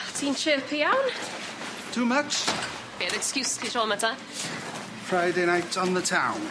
Ti'n chirpy iawn. Too much? Be' o'dd excuse ti tro 'my te? Friday night on the town.